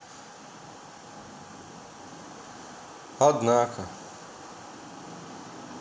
однако